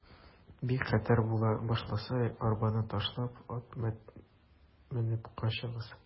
Бик хәтәр була башласа, арбаны ташлап, ат менеп качыгыз.